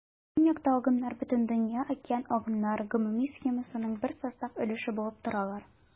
Көньякта агымнар Бөтендөнья океан агымнары гомуми схемасының бер состав өлеше булып торалар.